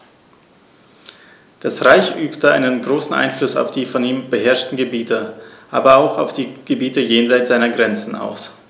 Das Reich übte einen großen Einfluss auf die von ihm beherrschten Gebiete, aber auch auf die Gebiete jenseits seiner Grenzen aus.